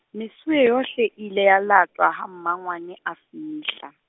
mesuwe yohle e ile ya latwa ha mmangwane a fihla.